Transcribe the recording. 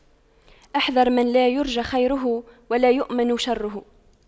احذروا من لا يرجى خيره ولا يؤمن شره